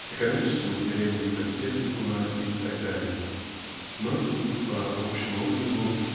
экономическом отделении политехникума и т. д. Но и тут по общему отзыву